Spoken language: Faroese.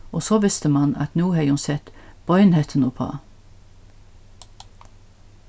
og so visti mann at nú hevði hon sett beinhettuna uppá